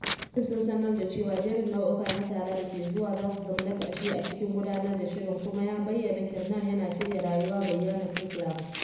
Su biyun sun sanar da cewa jerin nau’uka na tara da ke zuwa za su zama na ƙarshe a cikin gudanar da shirin, kuma ya bayyana Kiernan yana shirya rayuwa bayana Craiglang.